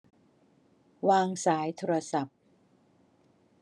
วางสายโทรศัพท์